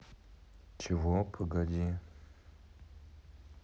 чего погоди